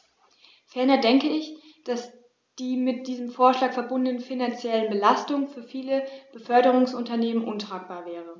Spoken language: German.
Ferner denke ich, dass die mit diesem Vorschlag verbundene finanzielle Belastung für viele Beförderungsunternehmen untragbar wäre.